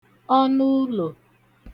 ọnụ ụlọ̀